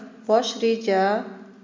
bosh reja